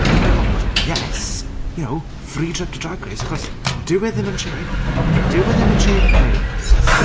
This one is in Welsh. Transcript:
Oh my god, yes! You know? Free trip to Drag Race! Achos, dyw e ddim yn chêp dyw e ddim yn chêp my lovelies.